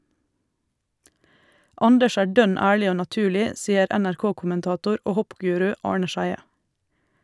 Anders er dønn ærlig og naturlig, sier NRK-kommentator og hoppguru Arne Scheie.